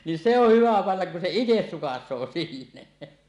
niin se on hyvä panna kun se itse sukaisee sinne